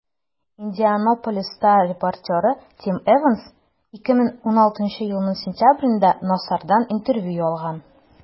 «индианаполис стар» репортеры тим эванс 2016 елның сентябрендә нассардан интервью алган.